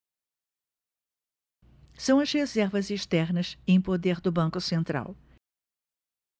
são as reservas externas em poder do banco central